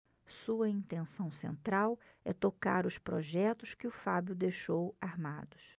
sua intenção central é tocar os projetos que o fábio deixou armados